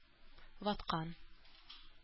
Ваткан